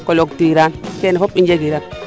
cloture aan keene fop i njegiran